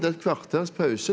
det er et kvarters pause.